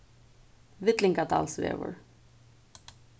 villingadalsvegur